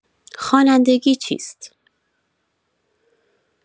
خوانندگی چیست؟